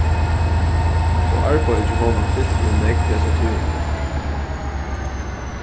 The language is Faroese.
og arbeiðið hjá honum fylti ov nógv hesa tíðina